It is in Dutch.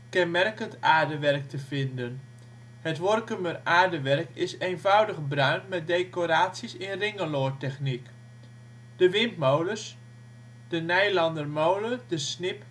kenmerkend aardewerk te vinden. Het Workumer aardewerk is eenvoudig bruin met decoraties in ringeloor-techniek. De windmolens De Nijlannermolen, De Snip